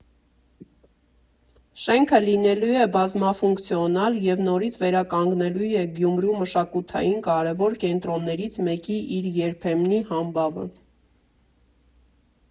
Շենքը լինելու է բազմաֆունկցիոնալ և նորից վերականգնելու է Գյումրու մշակութային կարևոր կենտրոններից մեկի իր երբեմնի համբավը։